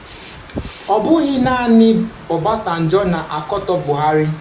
Ọ bụghị naanị Obasanjo na-akatọ Buhari.